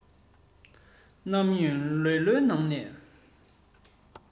རྣམ གཡེང ལེ ལོའི ནང ནས